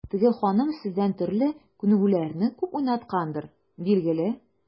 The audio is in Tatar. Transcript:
Теге ханым сездән төрле күнегүләрне күп уйнаткандыр, билгеле.